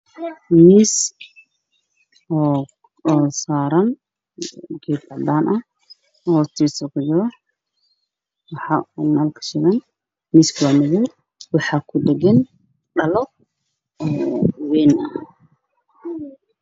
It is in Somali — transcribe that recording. Waa miis waxaa saaran geed cadaan ah hoostiisa nal kashidan, miiska waa madow waxaa kudhagan dhalo wayn.